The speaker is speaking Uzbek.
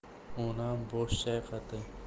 onam bosh chayqadi